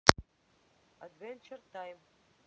адвенчер тайм